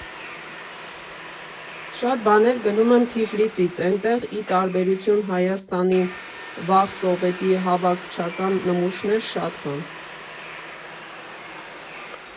Շատ բաներ գնում եմ Թիֆլիսից, էնտեղ, ի տարբերություն Հայաստանի, վաղ Սովետի հավաքակչական նմուշներ շատ կան։